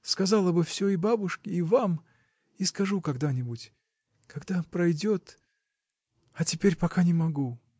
Сказала бы всё, и бабушке, и вам. и скажу когда-нибудь. когда пройдет. а теперь пока не могу.